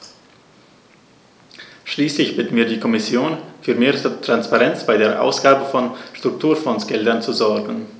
Schließlich bitten wir die Kommission, für mehr Transparenz bei der Ausgabe von Strukturfondsgeldern zu sorgen.